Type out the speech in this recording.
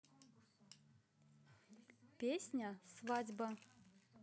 песня свадьба